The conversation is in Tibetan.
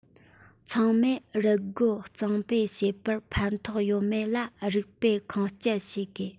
ཚང མས རུལ རྒོལ གཙང སྤེལ བྱེད པར ཕན ཐོགས ཡོད མེད ལ རིགས པས ཁུངས སྐྱེལ བྱ དགོས